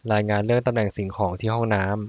รายงานเรื่องตำแหน่งสิ่งของที่ห้องน้ำ